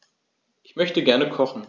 Ich möchte gerne kochen.